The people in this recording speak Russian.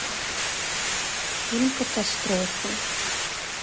фильм катастрофы